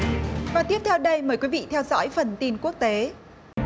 và tiếp theo đây mời quý vị theo dõi phần tin quốc tế